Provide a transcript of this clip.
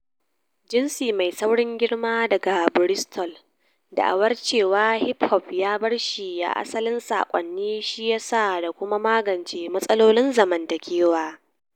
Jinsi Mai Saurin Girma, daga Bristol, da'awar cewa hip hop ya bar shi asalin sakonnin siyasa da kuma magance matsalolin zamantakewa.